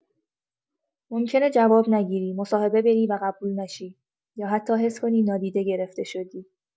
ممکنه جواب نگیری، مصاحبه بری و قبول نشی، یا حتی حس کنی نادیده گرفته شدی.